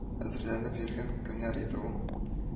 Әзерләнеп йөргән көннәр иде ул